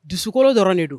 Dusukɔrɔ dɔrɔn de don